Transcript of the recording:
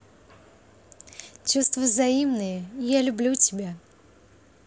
чувства взаимные я люблю тебя